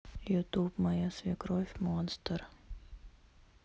ютуб моя свекровь монстр